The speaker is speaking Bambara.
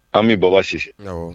An bɛ baba si